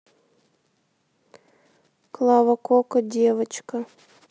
клава кока девочка